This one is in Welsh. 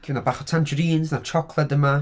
Ella fydd 'na dipyn bach o tangerines na siocled yma.